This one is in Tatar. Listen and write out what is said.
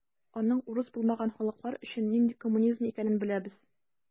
Аның урыс булмаган халыклар өчен нинди коммунизм икәнен беләбез.